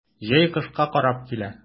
Җәй кышка карап килә.